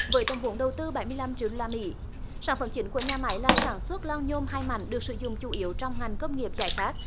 với tổng vốn đầu tư bảy mươi lăm triệu đô la mỹ sản phẩm chính của nhà máy là sản xuất lon nhôm hai mảnh được sử dụng chủ yếu trong ngành công nghiệp giải khát